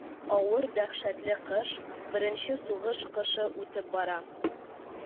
Авыр дәһшәтле кыш, беренче сугыш кышы үтеп бара.